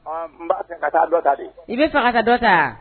Nba fɛ ka taa dɔ ta, i bɛ fɛ ka taa dɔ ta ,